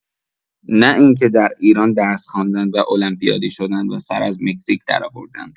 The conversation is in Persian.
نه این که در ایران درس خواندند و المپیادی شدند و سر از مکزیک درآوردند.